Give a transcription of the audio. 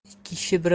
ikki kishi bir